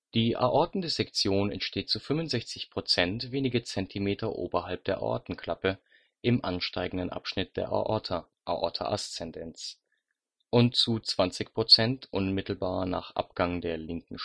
Die Aortendissektion entsteht zu 65 % wenige Zentimeter oberhalb der Aortenklappe, im ansteigenden Abschnitt der Aorta (Aorta ascendens), und zu 20 % unmittelbar nach Abgang der linken